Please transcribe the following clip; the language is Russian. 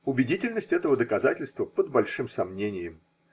Убедительность этого доказательства под большим сомнением.